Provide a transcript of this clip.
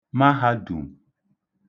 mahādùm